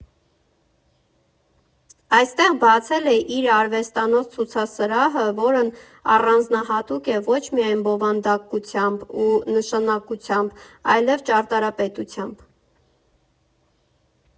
Այստեղ բացել է իր արվեստանոց֊ցուցասրահը, որն առանձնահատուկ է ոչ միայն բովանդակությամբ ու նշանակությամբ, այլև ճարտարապետությամբ։